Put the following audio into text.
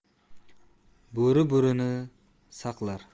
bo'ri bo'rini saqlar